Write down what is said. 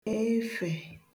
efè